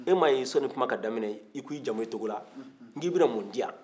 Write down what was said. e ma ye sanni kuma ka daminɛ i k'i jamu ye togola ye n k'i bɛna mun di yan